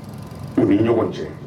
I bɛ ɲɔgɔn cɛ